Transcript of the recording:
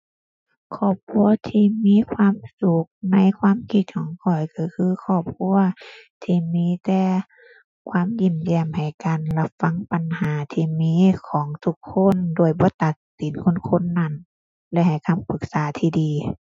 ครอบครัวที่มีความสุขในความคิดของข้อยก็คือ ครอบครัวที่มีแต่ความยิ้มแย้มให้กัน รับฟังปัญหาที่มีของทุกคน โดยบ่ตัดสินคนคนนั้น และให้คำปรึกษาที่ดี